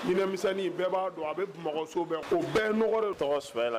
Ɲɲinɛmisɛnni , bɛɛ b'a don a bɛ Bamakɔ so bɛɛ kɔnɔ, o bɛɛ ye nɔgɔ, e tɔgɔ ? Ne tɔgɔ ye Sumayila,